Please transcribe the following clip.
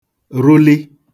rụli